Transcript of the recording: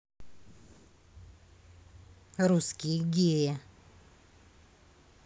русские геи